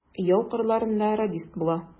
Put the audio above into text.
Яу кырларында радист була.